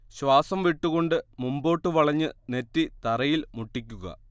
ശ്വാസം വിട്ടുകൊണ്ട് മുമ്പോട്ട് വളഞ്ഞ് നെറ്റി തറയിൽ മുട്ടിക്കുക